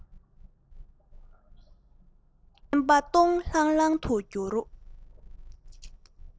སེམས པ སྟོང ལྷང ལྷང དུ གྱུར